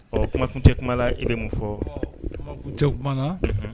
Ɔ kumakuncɛ kuma i bɛ mun fɔ u cɛw kuma na